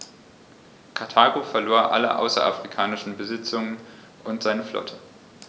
Karthago verlor alle außerafrikanischen Besitzungen und seine Flotte.